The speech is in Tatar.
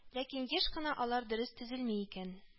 Ләкин еш кына алар дөрес төзелми икән